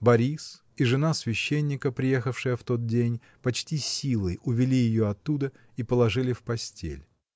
Борис и жена священника, приехавшая в тот день, почти силой увели ее оттуда и положили в постель.